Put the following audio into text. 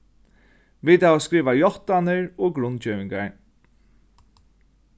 vit hava skrivað játtanir og grundgevingar